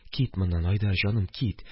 Кит моннан, Айдар җаным, кит!